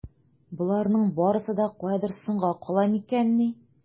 Боларның барсы да каядыр соңга кала микәнни?